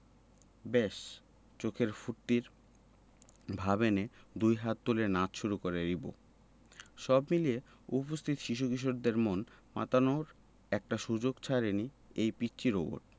ব্যাস চোখে ফূর্তির ভাব এনে দুই হাত তুলে নাচ শুরু করে রিবো সব মিলিয়ে উপস্থিত শিশু কিশোরদের মন মাতানোর একটি সুযোগও ছাড়েনি এই পিচ্চি রোবট